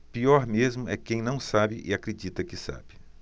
pior mesmo é quem não sabe e acredita que sabe